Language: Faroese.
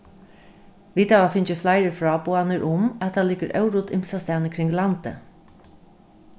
vit hava fingið fleiri fráboðanir um at tað liggur órudd ymsastaðni kring landið